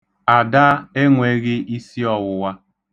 Ada enweghị isi ọwụwa.